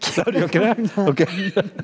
nei du gjør ikke det ok.